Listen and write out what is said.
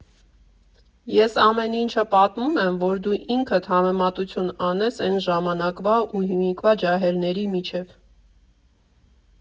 Էս ամեն ինչը պատմում եմ, որ դու ինքդ համեմատությունն անես էն ժամանակվա ու հիմիկվա ջահելների միջև։